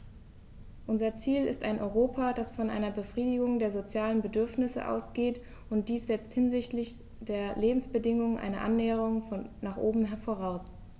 Unser Ziel ist ein Europa, das von einer Befriedigung der sozialen Bedürfnisse ausgeht, und dies setzt hinsichtlich der Lebensbedingungen eine Annäherung nach oben voraus.